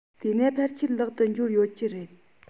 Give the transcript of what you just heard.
དེས ན ཕལ ཆེར ལག ཏུ འབྱོར ཡོད ཀྱི རེད